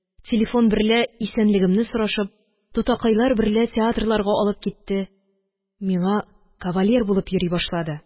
Телефон берлә исәнлегемне сорашып, тутакайлар берлә театрларга алып китте, миңа кавалер булып йөри башлады.